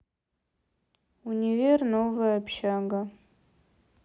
универ новая общага